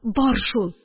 Бар шул